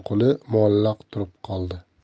qo'li muallaq turib qoldi